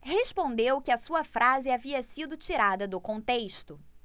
respondeu que a sua frase havia sido tirada do contexto